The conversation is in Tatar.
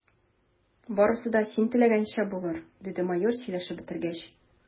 Барысы да син теләгәнчә булыр, – диде майор, сөйләшеп бетергәч.